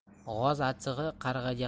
g'oz achchig'i qarg'aga